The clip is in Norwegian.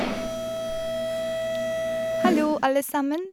Hallo, alle sammen.